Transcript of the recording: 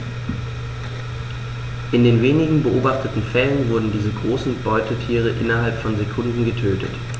In den wenigen beobachteten Fällen wurden diese großen Beutetiere innerhalb von Sekunden getötet.